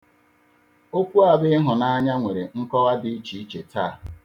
Okwu a bụ ịhụnanya nwere nkọwa dị iche iche taa.